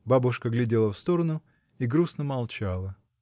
Бабушка глядела в сторону и грустно молчала.